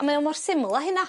a mae o mor syml a hynna.